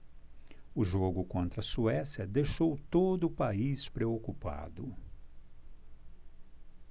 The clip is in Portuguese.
o jogo contra a suécia deixou todo o país preocupado